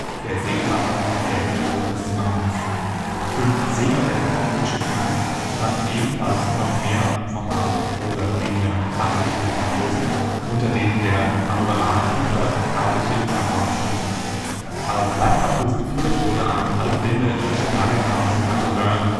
Segelmacher, der Gehilfe des Zimmermanns. Fünf Seekadetten (Midshipmen) standen ebenfalls noch mehr (formal) oder weniger (fachlich) über den Matrosen, unter denen der Hannoveraner Küfer Heinrich Hillbrant aufschien. Als Leichtmatrose geführt wurde ein halb blinder irischer Geiger namens Michael Byrn